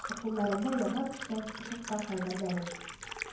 Ә кулларында яңа пешкән чыккан кайнар бәлеш